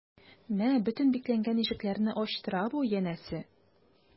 Мә, бөтен бикләнгән ишекләрне ачтыра бу, янәсе...